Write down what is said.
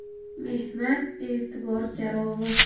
mehnat e'tibor garovi